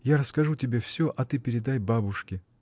Я расскажу тебе всё, а ты передай бабушке.